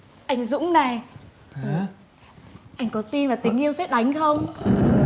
anh dũng này này anh có tin vào tình yêu sét đánh không